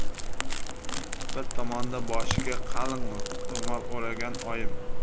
bir tomonda boshiga qalin ro'mol o'ragan oyim